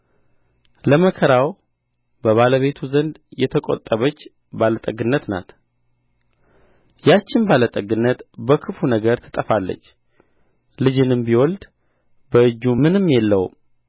ለመከራው በባለቤቱ ዘንድ የተቈጠበች ባለጠግነት ናት ያችም ባለጠግነት በክፉ ነገር ትጠፋለች ልጅንም ቢወልድ በእጁ ምንም የለውም